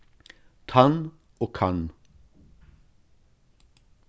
tann og kann